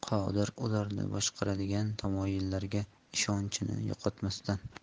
qodir ularni boshqaradigan tamoyillarga ishonchni yo'qotmasdan